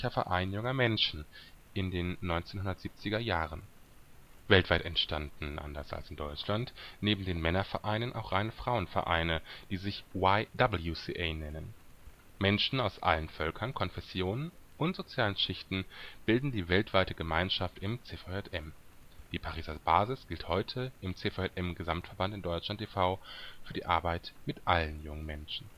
Verein Junger Menschen “in den 1970er Jahren. Weltweit entstanden, anders als in Deutschland, neben den „ Männervereinen “, auch reine „ Frauenvereine “, die sich YWCA nennen. Menschen aus allen Völkern, Konfessionen und sozialen Schichten bilden die weltweite Gemeinschaft im CVJM. Die Pariser Basis gilt heute im CVJM-Gesamtverband in Deutschland e.V. für die Arbeit mit allen jungen Menschen